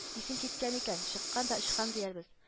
Исең киткән икән, чыккан да очкан, диярбез. М